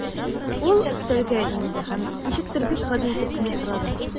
Ул өстәлгә иелде һәм ничектер бик гади итеп кенә сорады.